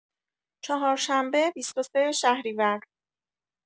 چهارشنبه ۲۳ شهریور